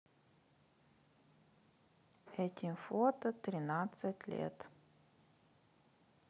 этим фото тринадцать лет